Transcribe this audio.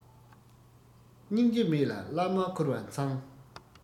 སྙིང རྗེ མེད ལ བླ མར ཁུར བ མཚང